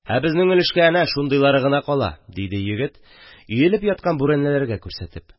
Ә безнең өлешкә әнә шундыйлары гына кала, – диде егет, өелеп яткан бүрәнәләргә күрсәтеп.